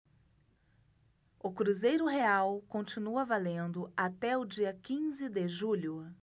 o cruzeiro real continua valendo até o dia quinze de julho